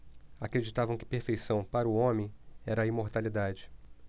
acreditavam que perfeição para o homem era a imortalidade